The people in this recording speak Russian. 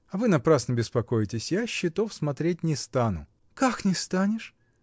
А вы напрасно беспокоитесь: я счетов смотреть не стану. — Как не станешь?